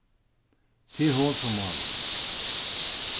tað er hon sum málar